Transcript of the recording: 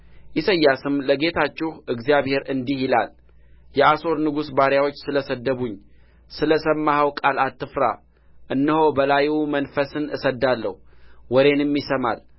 ኢሳይያስም ለጌታችሁ እግዚአብሔር እንዲህ ይላል የአሦር ንጉሥ ባሪያዎች ስለ ሰደቡኝ ስለ ሰማኸው ቃል አትፍራ እነሆ በላዩ መንፈስን እሰድዳለሁ ወሬንም ይሰማል